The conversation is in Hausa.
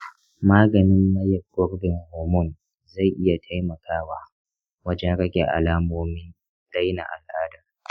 maganin maye gurbin homon zai iya taimakawa wajen rage alamomin daina al'ada.